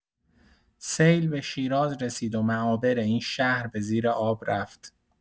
سیل به شیراز رسید و معابر این شهر به زیر آب رفت.